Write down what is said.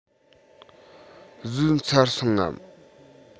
ཟོས ཚར སོང ངམ